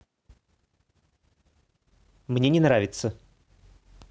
мне не нравится